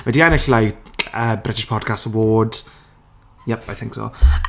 Mae 'di ennill like yy British Podcast Award, yep, I think so.